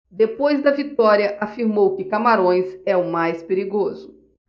depois da vitória afirmou que camarões é o mais perigoso